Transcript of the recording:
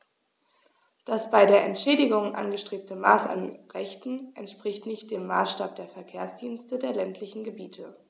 Das bei der Entschädigung angestrebte Maß an Rechten entspricht nicht dem Maßstab der Verkehrsdienste der ländlichen Gebiete.